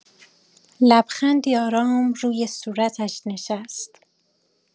لبخندی آرام روی صورتش نشست.